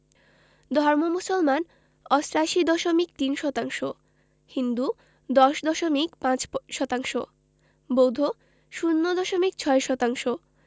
ধর্ম মুসলমান ৮৮দশমিক ৩ শতাংশ হিন্দু ১০দশমিক ৫ শতাংশ বৌদ্ধ ০ দশমিক ৬ শতাংশ